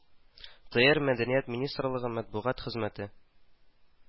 ТээР Мәдәният министрлыгы матбугат хезмәте